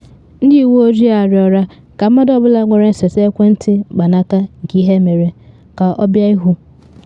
Ndị uwe ojii arịọla ka mmadụ ọ bụla nwere nseta ekwentị mkpanaka nke ihe mere ka ọ bịa ihu.